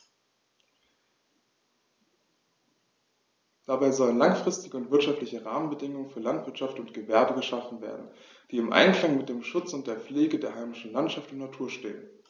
Dabei sollen langfristige und wirtschaftliche Rahmenbedingungen für Landwirtschaft und Gewerbe geschaffen werden, die im Einklang mit dem Schutz und der Pflege der heimischen Landschaft und Natur stehen.